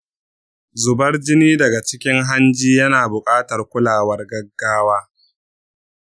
zubar jini daga cikin hanji yana buƙatar kulawar gaggawa.